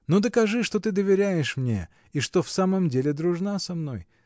Но докажи, что ты доверяешь мне и что в самом деле дружна со мной.